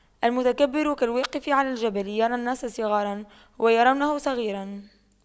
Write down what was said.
المتكبر كالواقف على الجبل يرى الناس صغاراً ويرونه صغيراً